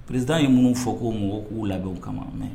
Président ye minnu fɔ ko mɔgɔ k'u labɛn u kama mais_